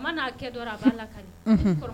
Ma n'a kɛ a b'a laka